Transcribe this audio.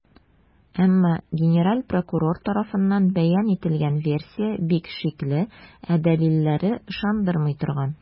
Әмма генераль прокурор тарафыннан бәян ителгән версия бик шикле, ә дәлилләре - ышандырмый торган.